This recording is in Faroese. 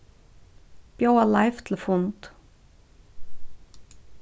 bjóða leif til fund